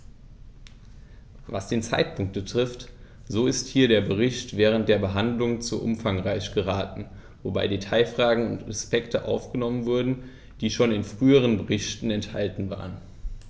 Was den Zeitpunkt betrifft, so ist hier der Bericht während der Behandlung zu umfangreich geraten, wobei Detailfragen und Aspekte aufgenommen wurden, die schon in früheren Berichten enthalten waren.